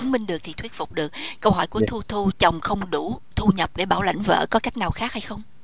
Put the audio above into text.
chứng minh được thuyết phục được câu hỏi của thu thu chồng không đủ thu nhập để bảo lãnh vợ có cách nào khác hay không